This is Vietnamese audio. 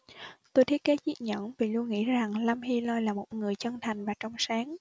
tôi thiết kế chiếc nhẫn vì luôn nghĩ rằng lâm hy lôi là một ngời chân thành và trong sáng